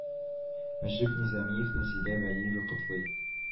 Мөҗип Низамиевны Зилә Вәлиева котлый